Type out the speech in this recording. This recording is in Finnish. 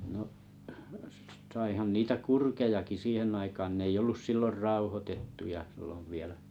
no saihan niitä kurkiakin siihen aikaan ne ei ollut silloin rauhoitettuja silloin vielä